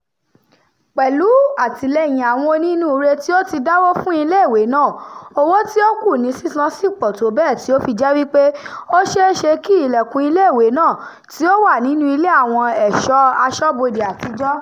Pẹ̀lú àtìlẹ́yìn àwọn onínúure tí ó ti dáwó fún iléèwé náà, owó tí ó kù ní sísan ṣì pọ̀ tó bẹ́ẹ̀ tí ó fi jẹ́ wípé, ó ṣe é ṣe kí ilẹ̀kùn-un iléèwé náà tí ó wà nínú Ilé Àwọn Ẹ̀ṣọ́ Aṣọ́bodè Àtijọ́.